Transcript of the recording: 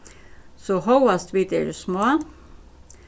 so hóast vit eru smá